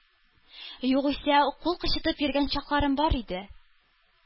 Югыйсә, кул кычытып йөргән чакларым бар иде.